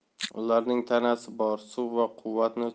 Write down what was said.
ularning tanasi bor suv va quvvatni turli